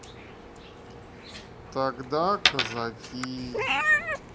тогда казаки